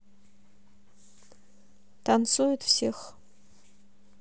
танцует всех